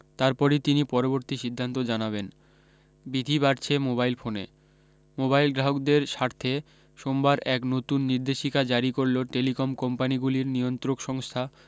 তারপরই তিনি পরবর্তী সিদ্ধান্ত জানাবেন বিধি বাড়ছে মোবাইল ফোনে মোবাইল গ্রাহকদের স্বার্থে সোমবার এক নতুন নির্দেশিকা জারি করল টেলিকম কোম্পানিগুলির নিয়ন্ত্রক সংস্থা